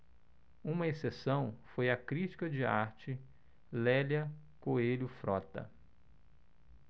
uma exceção foi a crítica de arte lélia coelho frota